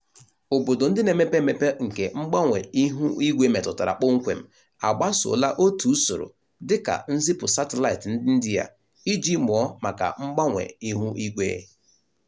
Obodo ndị na-emepe emepe nke mgbanwe ihuigwe metụtara kpọmkwem, agbasola otu usoro dịka nzipụ satịlaịtị ndị India iji mụọ maka mgbanwe ihuigwe.